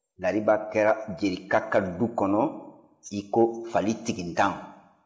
lariba kɛra jerika ka du kɔnɔ iko fali tigintan